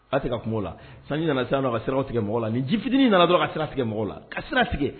Ase ka kungo la san nana saya don ka sira o tigɛ mɔgɔw la ni ji fitinin nana dɔn ka sira tigɛ mɔgɔw la ka sira sigi